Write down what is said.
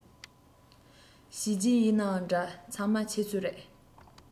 བྱས རྗེས ཡིན ནའང འདྲ ཚང མ ཁྱེད ཚོའི རེད